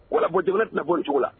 Voilà , bon jamana ti na bɔ nin cogo la.